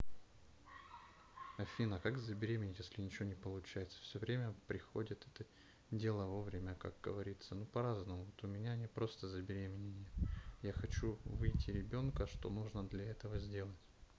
афина как забеременеть если ничего не получается все время приходит это дело вовремя как говорится ну по разному вот у меня не просто забеременения я хочу выйти ребенка что нужно для этого сделать